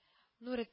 Нуретдин